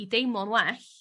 i deimlo'n well.